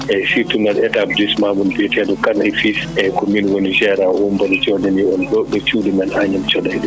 eeyi sutout noon établissement mo biyeteeɗo Kane et fils eeyi ko mi woni gérant oo mboɗa jooɗanii on ɗoo to cuuɗi men Agname Thiodaye